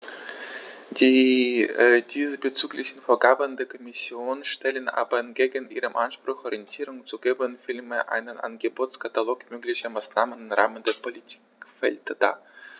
Die diesbezüglichen Vorgaben der Kommission stellen aber entgegen ihrem Anspruch, Orientierung zu geben, vielmehr einen Angebotskatalog möglicher Maßnahmen im Rahmen der Politikfelder dar.